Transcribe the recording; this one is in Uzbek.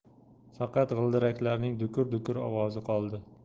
faqat g'ildiraklarning dukur dukur ovozi qoldi